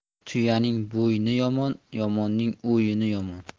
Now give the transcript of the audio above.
tuyaning bo'yni yomon yomonning o'yini yomon